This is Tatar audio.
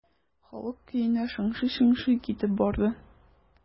Халык көенә шыңшый-шыңшый китеп барды.